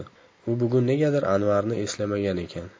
u bugun negadir anvarni eslamagan ekan